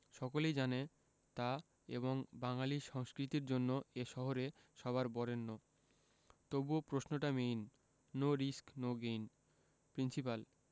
সকলেই জানে তা এবং বাঙালী সংস্কৃতির জন্য এ শহরে সবার বরেণ্য তবুও প্রশ্নটা main no risk no gain principal